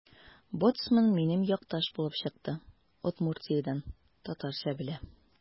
Боцман минем якташ булып чыкты: Удмуртиядән – татарча белә.